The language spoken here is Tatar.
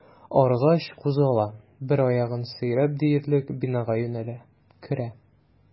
Арыгач, кузгала, бер аягын сөйрәп диярлек бинага юнәлә, керә.